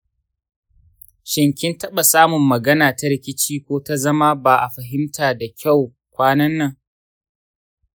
shin kin taɓa samun magana ta rikici ko ta zama ba a fahimta da kyau kwanan nan?